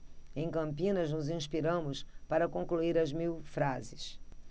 em campinas nos inspiramos para concluir as mil frases